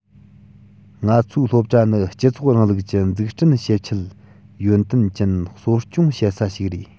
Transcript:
ང ཚོའི སློབ གྲྭ ནི སྤྱི ཚོགས རིང ལུགས ཀྱི འཛུགས སྐྲུན བྱེད ཆེད ཡོན ཏན ཅན གསོ སྐྱོང བྱེད ས ཞིག རེད